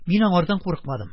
Мин аңардан курыкмадым,